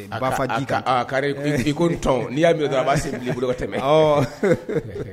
A b'a fɔ ko tɔn n'i'a min dɔrɔn a b'a sigi' bolo ka tɛmɛ